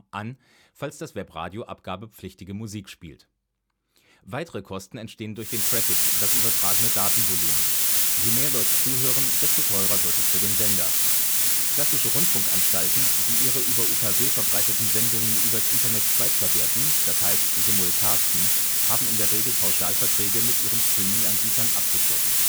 an, falls das Webradio abgabepflichtige Musik spielt. Weitere Kosten entstehen durch den „ Traffic “(das übertragene Datenvolumen): Je mehr Leute zuhören, desto teurer wird es für den Sender. Klassische Rundfunkanstalten, die ihre über UKW verbreiteten Sendungen übers Internet zweitverwerten („ simulcasten “), haben in der Regel Pauschalverträge mit ihren Streaming-Anbietern abgeschlossen